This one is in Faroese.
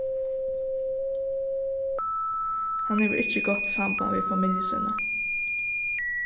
hann hevur ikki gott samband við familju sína